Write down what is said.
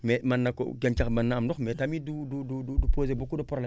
mais mën na ko gàncax mën na am ndox mais tamit du du du du du du poser beaucoup de problème